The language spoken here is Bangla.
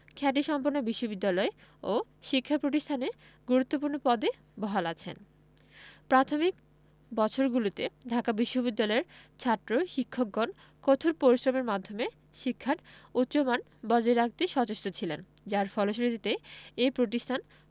খ্যাতিসম্পন্ন বিশ্ববিদ্যালয় ও শিক্ষা প্রতিষ্ঠানে গুরুত্বপূর্ণ পদে বহাল আছেন প্রাথমিক বছরগুলিতে ঢাকা বিশ্ববিদ্যালয়ের ছাত্র শিক্ষকগণ কঠোর পরিশ্রমের মাধ্যমে শিক্ষার উচ্চমান বজায় রাখতে সচেষ্ট ছিলেন যার ফলশ্রুতিতে এ প্রতিষ্ঠান